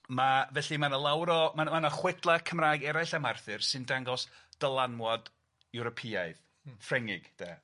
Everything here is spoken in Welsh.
Ma' felly ma' na lawer o ma' ma' na chwedla Cymraeg eraill am Arthur sy'n dangos dylanwad Ewropeaidd, Ffrengig de.